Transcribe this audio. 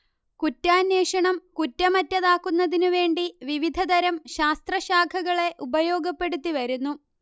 കുറ്റാന്വേഷണം കുറ്റമറ്റതാക്കുന്നതിന് വേണ്ടി വിവിധതരം ശാസ്ത്രശാഖകളെ ഉപയോഗപ്പെടുത്തിവരുന്നു